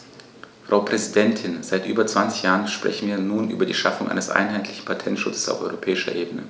Frau Präsidentin, seit über 20 Jahren sprechen wir nun über die Schaffung eines einheitlichen Patentschutzes auf europäischer Ebene.